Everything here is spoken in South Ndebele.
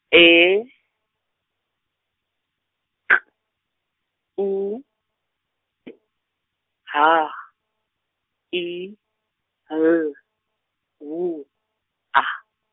E, K, U, P, H, I, L, W, A.